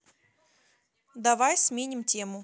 давай сменим тему